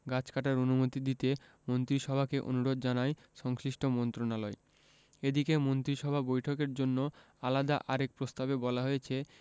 গাছ কাটার অনুমতি দিতে মন্ত্রিসভাকে অনুরোধ জানায় সংশ্লিষ্ট মন্ত্রণালয় এদিকে মন্ত্রিসভা বৈঠকের জন্য আলাদা আরেক প্রস্তাবে বলা হয়েছে